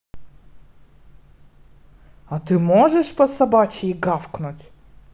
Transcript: а ты можешь по собачьи гавкнуть